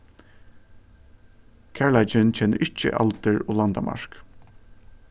kærleikin kennir ikki aldur og landamark